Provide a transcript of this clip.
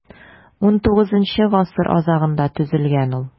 XIX гасыр азагында төзелгән ул.